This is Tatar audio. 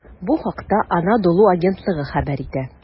Бу хакта "Анадолу" агентлыгы хәбәр итә.